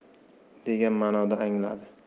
degan ma'noda angladi